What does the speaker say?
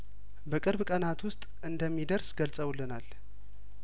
በቅርብ ቀናት ውስጥ እንደሚደርስ ገልጸውልናል